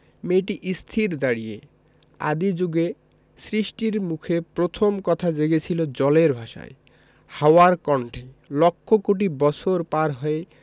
মেয়েটি স্থির দাঁড়িয়ে আদি জুগে সৃষ্টির মুখে প্রথম কথা জেগেছিল জলের ভাষায় হাওয়ার কণ্ঠে লক্ষ কোটি বছর পার হয়ে